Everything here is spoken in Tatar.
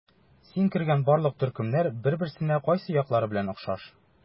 Син кергән барлык төркемнәр бер-берсенә кайсы яклары белән охшаш?